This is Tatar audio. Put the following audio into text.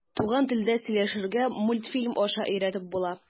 Туган телдә сөйләшергә мультфильм аша өйрәтеп була.